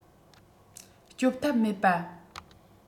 སྐྱོབ ཐབས མེད པ